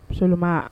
So